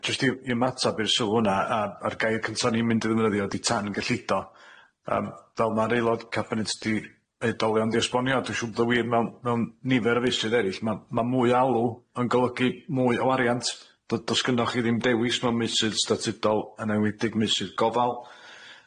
Jyst i i ymatab i'r sylw hwnna a a'r gair cynta o'n i'n mynd i ddefnyddio ydi tan gyllido yym fel ma'r aelod cabinet di oedolion di esbonio a dwi siŵr bod o wir mewn mewn nifer o feistred eryll ma' ma' mwy o alw yn golygu mwy o wariant do- do's gynnoch chi ddim dewis mewn meysydd statudol yn enwedig meysydd gofal.